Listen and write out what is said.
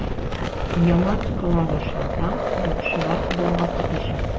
Яман кыла башласаң, яхшылар болгап атачак.